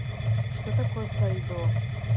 что такое сальдо